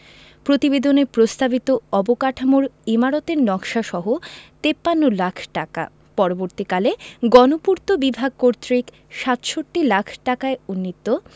প্রতিবেদনে প্রস্তাবিত অবকাঠামোর ইমারতের নকশাসহ ৫৩ লাখ টাকা পরবর্তীকালে গণপূর্ত বিভাগ কর্তৃক ৬৭ লাখ টাকায় উন্নীত